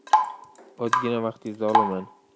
ozgina vaqtingizni olaman